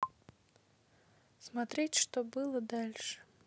смотреть что было дальше